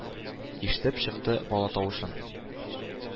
Иштеп чыкты бала тавышын.